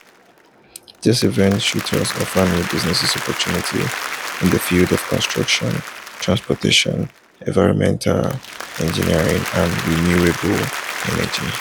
These events should thus offer new business opportunities in the fields of construction, transportation, environmental engineering, and renewable energy.